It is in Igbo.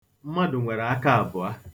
Mmadụ nwere aka abụọ.